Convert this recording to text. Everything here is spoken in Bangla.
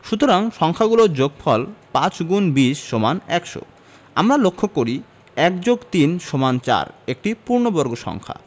সুতরাং সংখ্যা গুলোর যোগফল ৫গুণ২০সমান১০০ আমরা লক্ষ করি ১যোগ৩সমান৪ একটি পূর্ণবর্গ সংখ্যা